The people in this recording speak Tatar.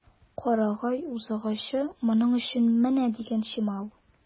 Карагай үзагачы моның өчен менә дигән чимал.